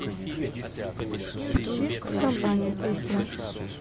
чиж и компания песня